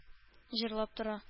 Җырлап тора